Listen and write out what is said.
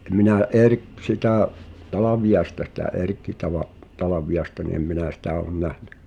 en minä - sitä Talviaista sitä Erkki - Talviaista niin en minä sitä ole nähnyt